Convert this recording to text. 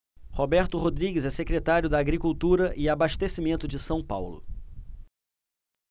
roberto rodrigues é secretário da agricultura e abastecimento de são paulo